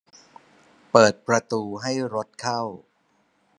เปิดประตูให้รถเข้า